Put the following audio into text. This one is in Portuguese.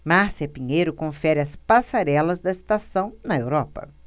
márcia pinheiro confere as passarelas da estação na europa